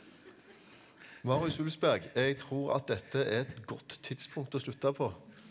Marius Wulfsberg jeg tror at dette er et godt tidspunkt å slutte på.